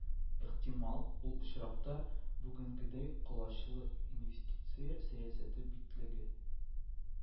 Ихтимал, ул очракта, бүгенгедәй колачлы инвестиция сәясәте битлеге